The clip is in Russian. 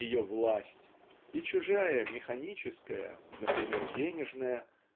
ее власть и чужая механическая например, денежная